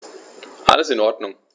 Alles in Ordnung.